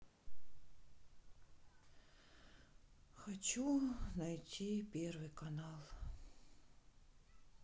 хочу найти первый канал